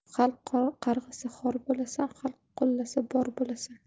xalq qarg'asa xor bo'lasan xalq qo'llasa bor bo'lasan